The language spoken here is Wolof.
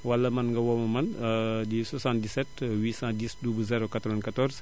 wala man nga woo ma man di 77 810 00 94